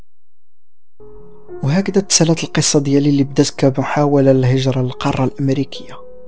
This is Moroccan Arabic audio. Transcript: وها قد اتصلت القصه للذهاب حول الهجره القاره الامريكيه